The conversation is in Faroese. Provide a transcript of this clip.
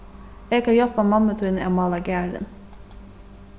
eg kann hjálpa mammu tíni at mála garðin